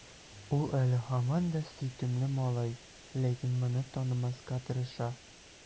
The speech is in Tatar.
Ул әле һаман да сөйкемле малай, ләкин моны танымаска тырыша.